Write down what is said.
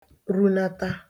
runata